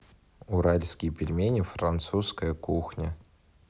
уральские пельмени французская кухня